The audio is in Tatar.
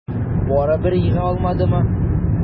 Барыбер ега алмадымы?